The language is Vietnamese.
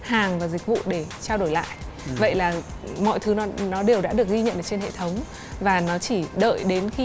hàng và dịch vụ để trao đổi lại vậy là mọi thứ nó đều đã được ghi nhận ở trên hệ thống và nó chỉ đợi đến khi